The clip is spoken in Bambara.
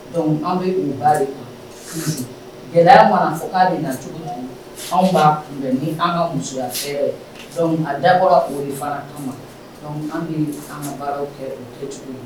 Dɔnku an bɛ de gɛlɛya ma fo bɛ na anwa kun ni an ka muso a dakɔrɔ o fara an bɛ anw kɛ